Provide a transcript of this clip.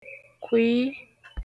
kwìyi